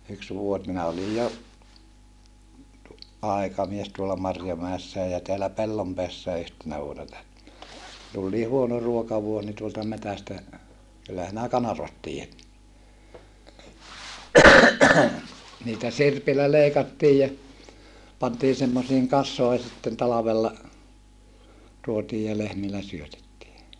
yksi vuosi minä olin jo aikamies tuolla Marjomäessäkin ja täällä Pellonpäässäkin yhtenä vuonna tuli niin huono ruokavuosi niin tuolta metsästä kyllä sinä kanervat tiedät niitä sirpillä leikattiin ja pantiin semmoisiin kasoihin sitten talvella tuotiin ja lehmillä syötettiin